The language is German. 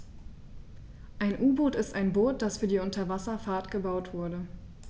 Ein U-Boot ist ein Boot, das für die Unterwasserfahrt gebaut wurde.